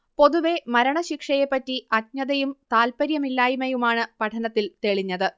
പൊതുവേ മരണശിക്ഷയെപ്പറ്റി അജ്ഞതയും താല്പര്യമില്ലായ്മയുമാണ് പഠനത്തിൽ തെളിഞ്ഞത്